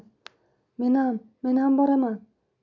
menam menam boraman